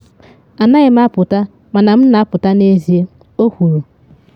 Anaghị m apụta, mana m na apụta n’ezie,” o kwuru.